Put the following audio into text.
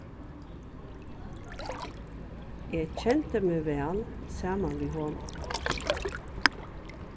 eg kendi meg væl saman við honum